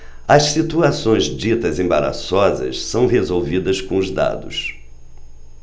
as situações ditas embaraçosas são resolvidas com os dados